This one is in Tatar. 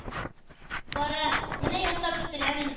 - бара... менә ясап бетерәм инде.